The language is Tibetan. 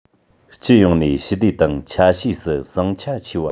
སྤྱི ཡོངས ནས ཞི བདེ དང ཆ ཤས སུ ཟིང ཆ ཆེ བ